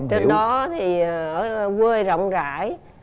trên đó thì ở quê rộng rãi